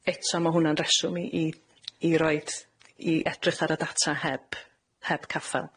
Eto, ma' hwnna'n reswm i i i roid- i edrych ar y data heb heb caffael